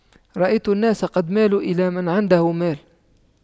رأيت الناس قد مالوا إلى من عنده مال